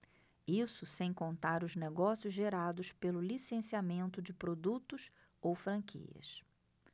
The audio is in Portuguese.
isso sem contar os negócios gerados pelo licenciamento de produtos ou franquias